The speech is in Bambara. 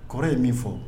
Kɔrɔ ye min fɔ